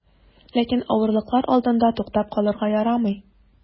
Ләкин авырлыклар алдында туктап калырга ярамый.